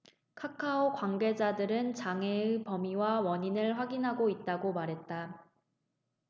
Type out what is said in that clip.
카카오 관계자는 장애의 범위와 원인을 확인하고 있다 고 말했다